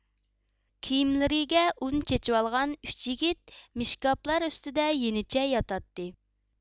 كىيىملىرىگە ئۇن چېچىۋالغان ئۈچ يىگىت مىشكابلار ئۈستىدە يېنىچە ياتاتتى